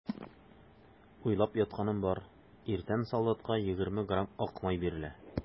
Уйлап ятканым бар: иртән солдатка егерме грамм ак май бирелә.